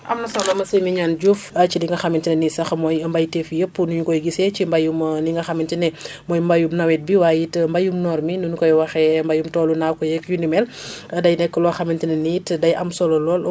am na solo monsieur Mignane Diouf ci li nga xamante ne nii sax mooy mbéyteef yëpp ni ñu koy gisee ci mbéyum li nga xamante mooy mbéyu nawet bi waaye it mbéyum noor mi ni énu koy waxee mbéyum toolu naako yeeg yu ni mel day nekk loo xamante ne nii it day am solo lool